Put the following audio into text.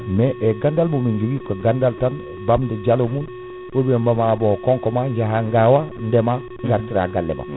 mais e gandal momin jogui ko gandal tan damde jaalo mum ou bien ɓama bon ko konko ma jaaya gawa ndeema gartira galle ma